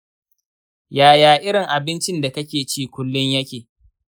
yaya irin abincin da kake ci kullum yake?